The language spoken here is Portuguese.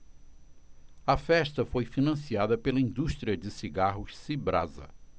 a festa foi financiada pela indústria de cigarros cibrasa